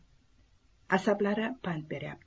asablari pand beryapti